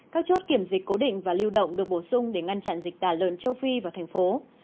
các chốt kiểm dịch cố định và lưu động được bổ sung để ngăn chặn dịch tả lợn châu phi và thành phố